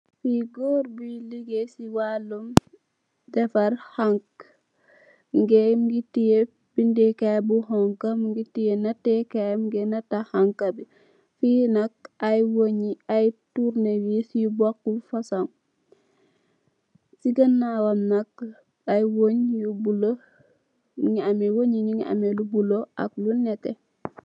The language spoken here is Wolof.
Lii Goor buy ligeey si waalum defar xanxa, mu ngi tiye, bindëy kaay bu xoñxu, tiyee natte Kaay, mu ngee ñatta xanxa bi. Fii nak ay weñ yi, ay turnewiis yu bookut fasoñ. Si ganaawam nak, ay weñ yu bulo, weñ yi ñu ngi amee, lu bulo ak lu nétté.